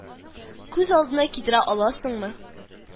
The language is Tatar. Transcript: Күз алдына китерә аласыңмы